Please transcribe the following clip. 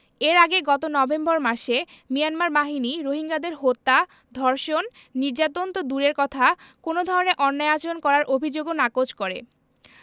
এর আগে গত নভেম্বর মাসে মিয়ানমার বাহিনী রোহিঙ্গাদের হত্যা ধর্ষণ নির্যাতন তো দূরের কথা কোনো ধরনের অন্যায় আচরণ করার অভিযোগও নাকচ করে